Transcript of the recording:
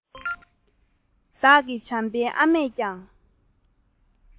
བདག གི བྱམས པའི ཨ མས ཀྱང